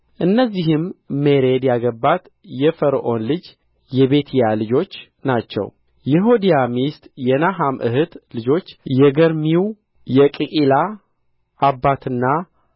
እነዚህም ሜሬድ ያገባት የፈርዖን ልጅ የቢትያ ልጆች ናቸው የሆዲያ ሚስት የነሐም እኅት ልጆች የገርሚው የቅዒላ አባትና